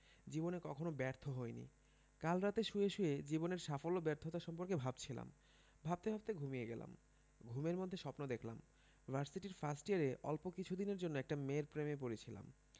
জীবনে কখনো ব্যর্থ হইনি কাল রাতে শুয়ে শুয়ে জীবনের সাফল্য ব্যর্থতা সম্পর্কে ভাবছিলাম ভাবতে ভাবতে ঘুমিয়ে গেলাম ঘুমের মধ্যে স্বপ্ন দেখলাম ভার্সিটির ফার্স্ট ইয়ারে অল্প কিছুদিনের জন্য একটা মেয়ের প্রেমে পড়েছিলাম